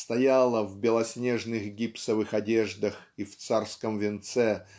стояла в белоснежных гипсовых одеждах и в царском венце